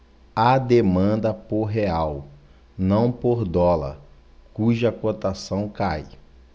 há demanda por real não por dólar cuja cotação cai